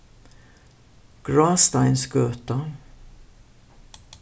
grásteinsgøta